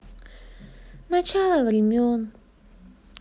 начало времен